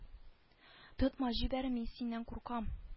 Тотма җибәр мин синнән куркам